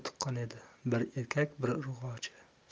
tuqqan edi biri erkak biri urg'ochi